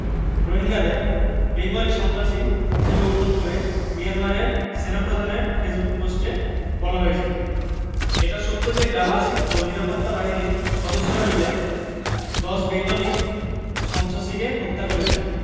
রোহিঙ্গাদের বেঙ্গলি সন্ত্রাসী হিসেবে উল্লেখ করে মিয়ানমারের সেনাপ্রধানের ফেসবুক পোস্টে বলা হয়েছে এটা সত্য যে গ্রামবাসী ও নিরাপত্তা বাহিনীর সদস্যরা মিলে ১০ বেঙ্গলি সন্ত্রাসীকে হত্যা করেছে